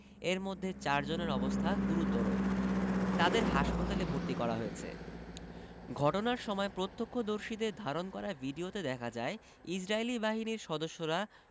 এর মধ্যে চারজনের অবস্থা গুরুত্বর তাদের হাসপাতালে ভর্তি করা হয়েছে ঘটনার সময় প্রত্যক্ষদর্শীদের ধারণ করা ভিডিওতে দেখা যায় ইসরাইলী বাহিনীর সদস্যরা